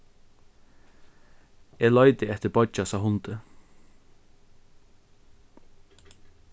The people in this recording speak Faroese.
eg leiti eftir beiggjasa hundi